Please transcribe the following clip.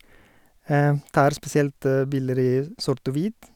Tar spesielt bilder i sort og hvit.